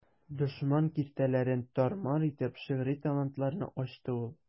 Дошман киртәләрен тар-мар итеп, шигъри талантларны ачты ул.